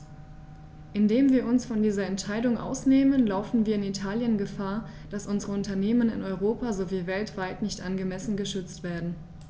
Indem wir uns von dieser Entscheidung ausnehmen, laufen wir in Italien Gefahr, dass unsere Unternehmen in Europa sowie weltweit nicht angemessen geschützt werden.